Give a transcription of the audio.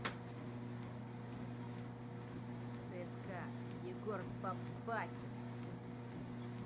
цска егор бабасев